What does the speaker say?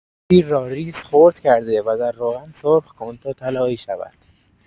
سیر را ریز خرد کرده و در روغن سرخ‌کن تا طلایی شود.